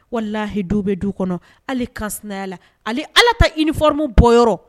Walahidu bɛ du kɔnɔ hali ka la ale ala taa i nioromu bɔ yɔrɔ